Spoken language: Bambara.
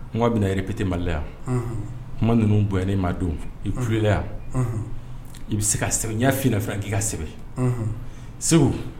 Kuma bɛ yɛrɛrepte mali yan kuma ninnu bɔ ma don i kuurla yan i bɛ se ka sɛbɛn ɲɛ finɛ fɛ k'i ka sɛbɛn segu